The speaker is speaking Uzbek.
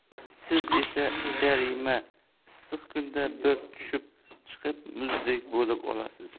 siz esa jazirama issiq kunda bir tushib chiqib muzdek bo'lib olasiz